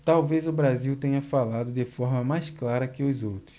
talvez o brasil tenha falado de forma mais clara que os outros